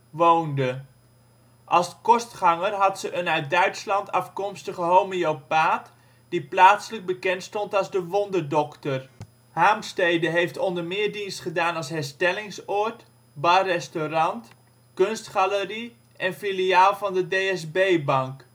woonde. Als kostganger had ze een uit Duitsland afkomstige homeopaat, die plaatselijk bekendstond als ' de wonderdokter '. Haemstede heeft onder meer dienst gedaan als herstellingsoord, bar-restaurant, kunstgalerie en filiaal van de DSB Bank